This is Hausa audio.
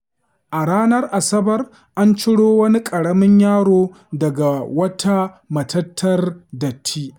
A ranar Asabar, an ciro wani ƙaramin yaro daga wata matattar datti.